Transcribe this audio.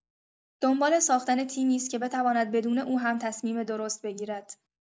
دنبال ساختن تیمی است که بتواند بدون او هم تصمیم درست بگیرد.